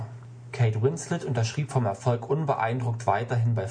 Winslet unterschrieb vom Erfolg unbeeindruckt weiterhin bei